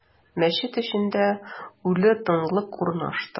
Мәчет эчендә үле тынлык урнашты.